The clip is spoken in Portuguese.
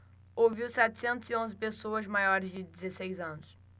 ouviu setecentos e onze pessoas maiores de dezesseis anos